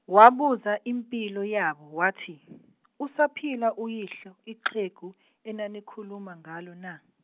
wabuza impilo yabo wathi , usaphila uyihlo ixhegu enanikhuluma ngalo na?